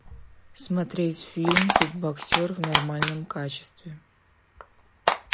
смотреть фильм кикбоксер в нормальном качестве